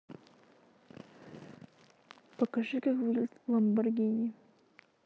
покажи как выглядит ламборгини